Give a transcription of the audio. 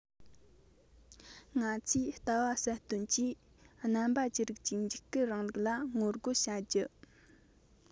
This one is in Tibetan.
ང ཚོས ལྟ བ གསལ སྟོན གྱིས རྣམ པ ཅི རིགས ཀྱི འཇིགས སྐུལ རིང ལུགས ལ ངོ རྒོལ བྱ རྒྱུ